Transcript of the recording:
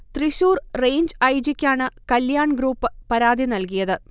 Thrissur range I. ജിക്കാണ് Kalyan group പരാതി നൽകിയത്